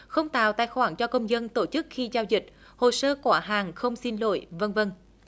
không tạo tài khoản cho công dân tổ chức khi giao dịch hồ sơ của hàng không xin đổi vân vân